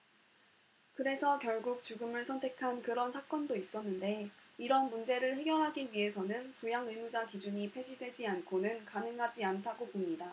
그래서 결국 죽음을 선택한 그런 사건도 있었는데 이런 문제를 해결하기 위해서는 부양의무자 기준이 폐지되지 않고는 가능하지 않다고 봅니다